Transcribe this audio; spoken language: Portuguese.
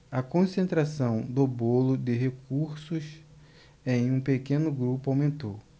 a concentração do bolo de recursos em um pequeno grupo aumentou